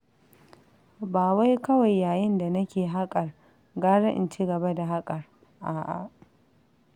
Ba wai kawai yayin da nake yin haƙar, gara in cigaba da haƙar, a'a.